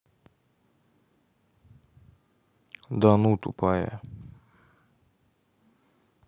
да ну тупая